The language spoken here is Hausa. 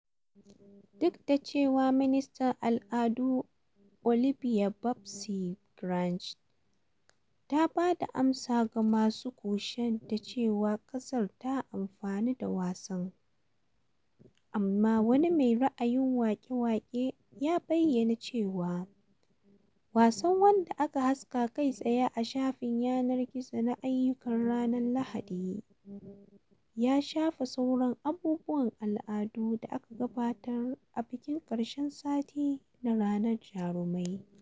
Duk da cewa Ministan Al'adu Oliɓia "Babsy" Grange ta ba da amsa ga masu kushen da cewa ƙasar ta amfanu da wasan, amma wani mai ra'ayin waƙe-waƙe ya bayyana cewa, wasan wanda aka haska kai tsaye a shafin yanar gizo na aiyukan ranar Lahadi, ya "shafe" sauran abubuwan al'adu da aka gabatar a bikin ƙarshen satin na Ranar Jarumai.